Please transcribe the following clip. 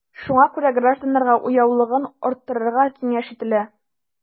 Шуңа күрә гражданнарга уяулыгын арттырыга киңәш ителә.